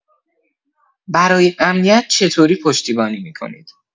برای امنیت چه طوری پشتیبانی می‌کنید؟